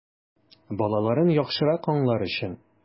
Балаларын яхшырак аңлар өчен!